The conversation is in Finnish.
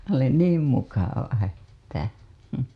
oli niin mukava että